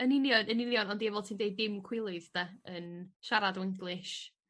Yn union yn union ond ia fel ti'n deu dim cwilydd 'de yn siarad Wenglish